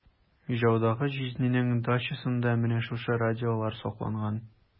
Ижаудагы җизнинең дачасында менә шушы радиола сакланган.